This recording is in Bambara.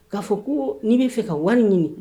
K'a fɔ koo ni ne fɛ ka wari ɲini